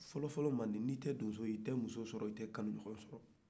fɔlɔfɔlɔ mande n'i tɛ donso ye i tɛ muso sɔrɔ i tɛ kanun baga sɔrɔ